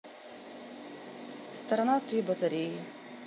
сторона три батареи